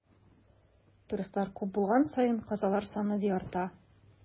Туристлар күп булган саен, казалар саны да арта.